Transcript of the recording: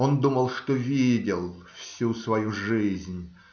Он думал, что видел всю свою жизнь